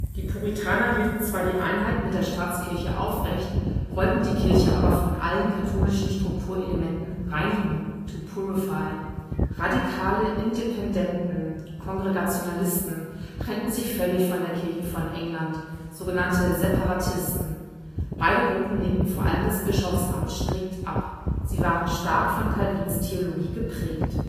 Die Puritaner hielten zwar die Einheit mit der Staatskirche aufrecht, wollten die Kirche aber von allen „ katholischen “Strukturelementen „ reinigen “(purify). Radikale Independenten (Kongregationalisten) trennten sich völlig von der Kirche von England (Separatisten). Beide Gruppen lehnten vor allem das Bischofsamt strikt ab. Sie waren stark von Calvins Theologie geprägt